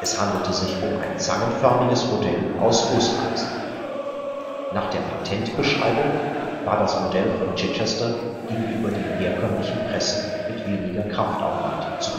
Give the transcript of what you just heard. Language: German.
handelte sich um ein zangenförmiges Modell aus Gusseisen. Nach der Patentbeschreibung war das Modell von Chichester gegenüber den herkömmlichen Pressen mit weniger Kraftaufwand zu